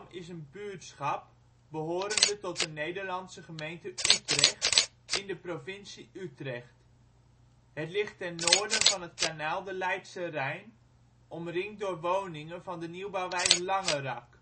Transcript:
is een buurtschap behorende tot de Nederlandse gemeente Utrecht, in de provincie Utrecht. Het ligt ten noorden van het kanaal de Leidse Rijn, omringd door woningen van de nieuwbouwwijk